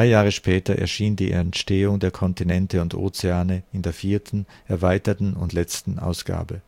Jahre später erschien die Entstehung der Kontinente und Ozeane in der vierten, erweiterten und letzten Ausgabe